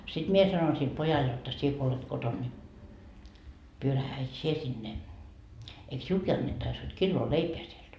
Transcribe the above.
sitten minä sanoin sille pojalle jotta sinä kun olet kotona niin pyörähdä että sinä sinne eikö sinullekin annettaisi hod kiloa leipää sieltä